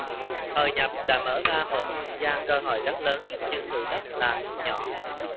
hội nhập đã mở ra một không gian cơ hội rất lớn nhưng thử thách là không nhỏ